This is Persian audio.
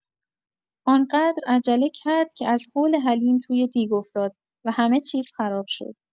آن‌قدر عجله کرد که از هول حلیم توی دیگ افتاد و همه‌چیز خراب شد.